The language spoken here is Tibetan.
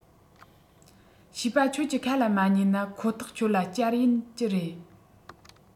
བྱིས པ ཁྱོད ཀྱིས ཁ ལ མ ཉན ན ཁོ ཐག ཁྱོད ལ གཅར ཡིན གྱི རེད